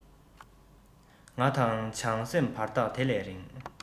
ང དང བྱང སེམས བར ཐག དེ ལས རིང